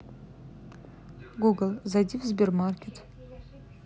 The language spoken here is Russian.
google зайди в сбермаркет